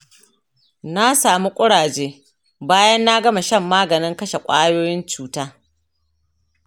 na samu kuraje bayan na sha maganin kashe ƙwayoyin cuta.